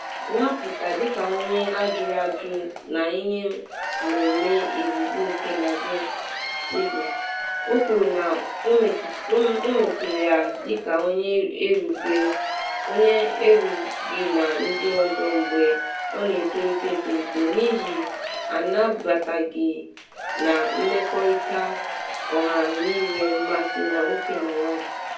Na-apụta dịka onye ajụrụ ajụ n’ihe mmemme izizi nke Laverne, Daley kwuru na ọ metụtara ya dịka “onye erughị” ka ndị ọzọ mgbe ọ na-etolite etolite n’ihi “anabataghị na mmekọrịta ọha inwe mmasị na nwoke na nwanyị.”